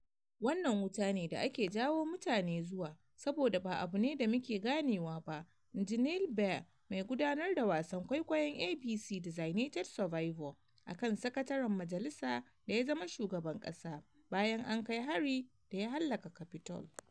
“Wannan wuta ne da ake jawo mutane zuwa saboda ba abu ne da muke ganewa ba,” inji Neal Baer, mai gudanar da wasan kwaikwayon ABC “Designated Survivor”, akan sakataren majalisa da ya zama shugaban kasa bayan an kai hari da ya hallaka Capitol.